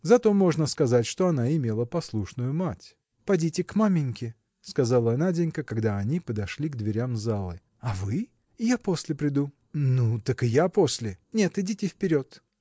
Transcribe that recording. зато можно сказать, что она имела послушную мать. – Подите к маменьке – сказала Наденька когда они подошли к дверям залы. – А вы? – Я после приду. – Ну так и я после. – Нет, идите вперед.